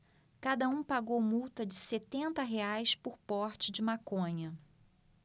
cada um pagou multa de setenta reais por porte de maconha